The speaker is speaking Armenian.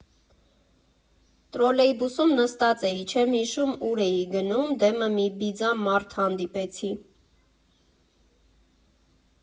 Տրոլեյբուսում նստած էի, չեմ հիշում՝ ուր էի գնում, դեմը մի բիձա մարդ հանդիպեցի։